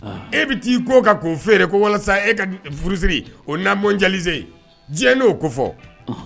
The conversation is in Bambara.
E bɛ taai ko ka k'o feere ko walasa e ka furusiri o na jazse diɲɛ n'o ko fɔ